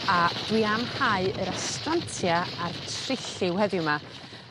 a dwi am hau yr astrantia a'r trilliw heddiw 'ma.